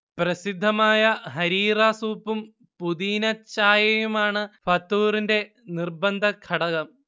പ്രസിദ്ധമായ 'ഹരീറ' സൂപ്പും പുതീനച്ചായയുമാണ് ഫതൂറിന്റെ നിർബന്ധ ഘടകം